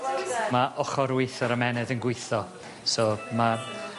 Well done. Ma' ochor with yr ymennydd yn gwitho so ma'